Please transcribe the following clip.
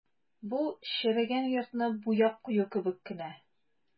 Бу черегән йортны буяп кую кебек кенә.